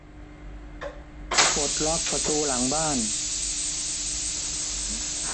ปลดล็อคประตูหลังบ้าน